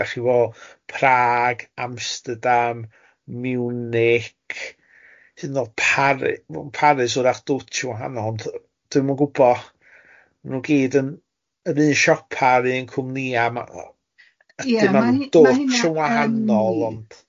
Dach chi'bo Prague, Amsterdam, Munich, hyd yn oed Paris, ma'n Paris w'rach dwtsh yn wahanol, ond dwi'm yn gwybo. Mae'n nhw gyd yn yr un siopa'r un cwmnïa. Ia, ia ma hyny yn... Ydyn ma'n dwtsh yn wahanol, ond .